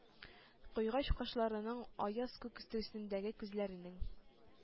Кыйгач кашларының, аяз күк төсендәге күзләренең,